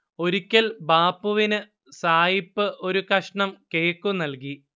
ഒരിക്കൽ ബാപ്പുവിന് സായിപ്പ് ഒരു കഷ്ണം കേക്കു നല്കി